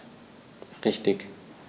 Richtig